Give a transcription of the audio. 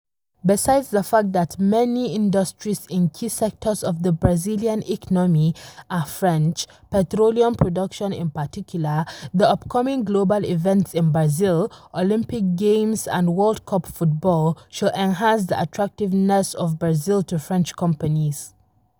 Besides the fact that many industries in key sectors of the Brazilian economy are French (petroleum production in particular), the upcoming global events in Brazil (Olympic Games and World Cup Football) should enhance the attractiveness of Brazil to French companies.